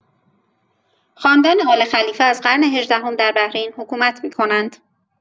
خاندان آل‌خلیفه از قرن هجدهم در بحرین حکومت می‌کنند.